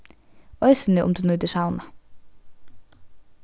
eisini um tú nýtir sauna